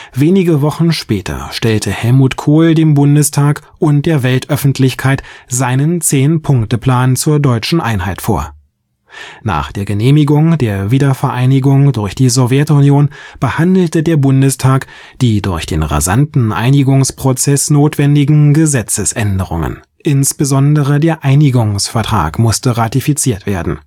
Wenige Wochen später stellte Helmut Kohl dem Bundestag und der Weltöffentlichkeit seinen Zehn-Punkte-Programm zur deutschen Einheit vor. Nach der Genehmigung der Wiedervereinigung durch die Sowjetunion behandelte der Bundestag die durch den rasanten Einigungsprozess notwendigen Gesetzesänderungen. Insbesondere der Einigungsvertrag musste ratifiziert werden